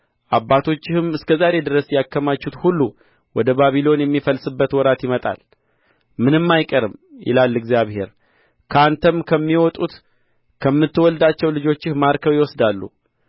አባቶችህም እስከ ዛሬ ድረስ ያከማቹት ሁሉ ወደ ባቢሎን የሚፈልስበት ወራት ይመጣል ምንም አይቀርም ይላል እግዚአብሔር ከአንተም ከሚወጡት ከምትወልዳቸው ልጆችህ ማርከው ይወስዳሉ